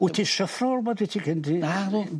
Wt ti isio wt ti gen di. Nadw.